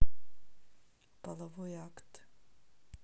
половой акт